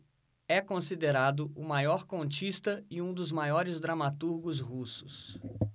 é considerado o maior contista e um dos maiores dramaturgos russos